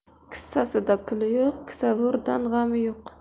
kissasida puli yo'q kisavurdan g'ami yo'q